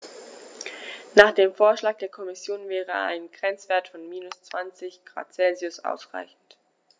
Nach dem Vorschlag der Kommission wäre ein Grenzwert von -20 ºC ausreichend.